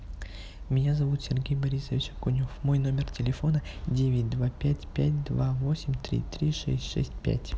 меня зовут сергей борисович окунев мой номер телефона девять два пять пять два восемь три три шесть шесть пять